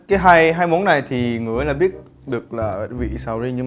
cái hai hai món này thì ngửi là biết được là vị sầu riêng nhưng